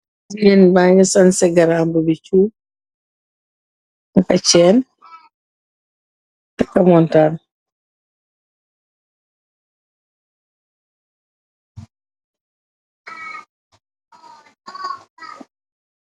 Jigéen baa ngi sanse garambub i cuub, taka ceen, taka montoor.